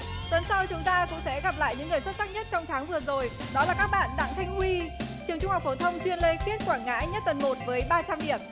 tuần sau chúng ta có thể gặp lại những người xuất sắc nhất trong tháng vừa rồi đó là các bạn đặng thanh huy trường trung học phổ thông chuyên lê khiết quảng ngãi nhất tuần một với ba trăm điểm